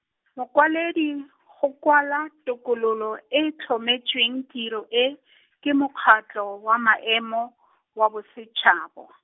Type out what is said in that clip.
mokwaledi, go kwala, tokololo e e tlhometsweng tiro e, ke Mokgatlho wa maemo, wa Bosetšhaba.